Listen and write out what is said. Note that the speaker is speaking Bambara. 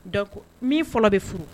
Dɔw ko min fɔlɔ bɛ furu